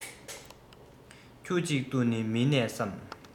ཁྱུ གཅིག ཏུ ནི མི གནས སམ